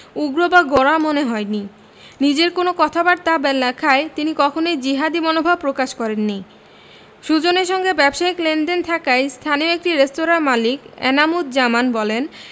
উগ্র বা গোঁড়া মনে হয়নি নিজের কোনো কথাবার্তা বা লেখায় তিনি কখনোই জিহাদি মনোভাব প্রকাশ করেননি সুজনের সঙ্গে ব্যবসায়িক লেনদেন থাকায় স্থানীয় একটি রেস্তোরাঁর মালিক এনাম উজজামান বলেন